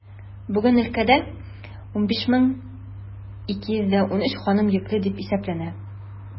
Бүген өлкәдә 15213 ханым йөкле дип исәпләнә.